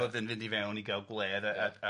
fyddin fynd i fewn i gael gwledd a a a